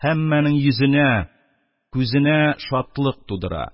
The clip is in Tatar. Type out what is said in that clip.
Һәммәнең йөзенә, күзенә шатлык тудыра.